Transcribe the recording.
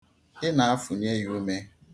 Ị na-afụnye ya ume.